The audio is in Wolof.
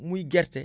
muy gerte